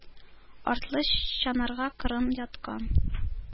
Артлы чанага кырын яткан,